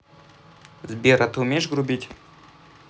сбер а ты умеешь грубить